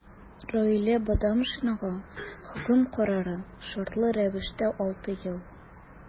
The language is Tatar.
Раилә Бадамшинага хөкем карары – шартлы рәвештә 6 ел.